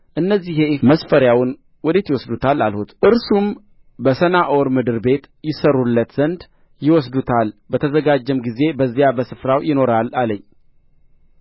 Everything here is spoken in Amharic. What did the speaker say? እነዚህ የኢፍ መስፈሪያውን ወዴት ይወስዱታል አልሁት እርሱም በሰናዖር ምድር ቤት ይሠሩለት ዘንድ ይወስዱታል በተዘጋጀም ጊዜ በዚያ በስፍራው ይኖራል አለኝ